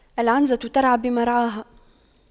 العنزة ترعى بمرعاها